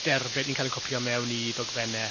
derbyn yn cael eu copïo mewn i ddogfennau...